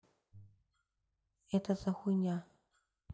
это за хуйня